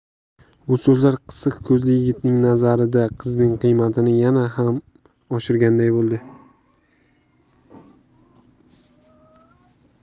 bu so'zlar qisiq ko'zli yigitning nazarida qizning qiymatini yana ham oshirganday bo'ldi